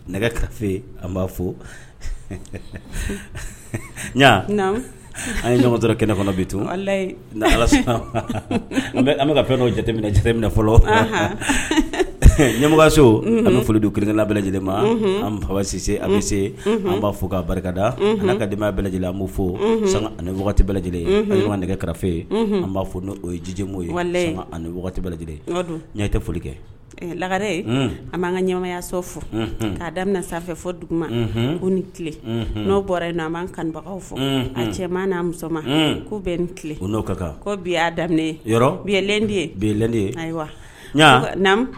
Nɛgɛfe an b'a fo an ye ɲɔgɔntɔ kɛnɛ bi to ala sisan an bɛka ka fɛn' jate fɔlɔ ɲɛmɔgɔso an foli don ki bɛ lajɛlen ma anse an bɛ se an b'a fɔ k'a barikada an' ka bɛɛ lajɛlen an b' fo san lajɛlen ɲɔgɔn nɛgɛ kɛrɛfɛfe an b'a fɔ'o ye jijimo ye lajɛlen n tɛ foli kɛ lagare an b'an ka ɲya sɔ fo k'a daminɛ sanfɛ fɔ dugu ko ni tile n'o bɔra yen na an b'an kanbagaw fɔ an cɛ n'a muso ma ko bɛ n ko n'o ka kan ko biya daminɛ yɔrɔ bi lɛnde bi lɛnde ayiwa